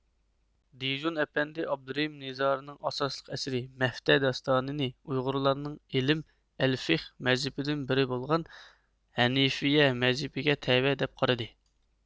دىژون ئەپەندى ئابدۇرېھىم نىزارىنىڭ ئاساسلىق ئەسىرى مەفتە داستانى نى ئۇيغۇرلارنىڭ ئىلىم ئەلفىخ مەزھىپىدىن بىرى بولغان ھەنىفىيە مەزھىپىگە تەۋە دەپ قارىدى